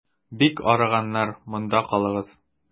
Бик арыганнар, монда калыгыз.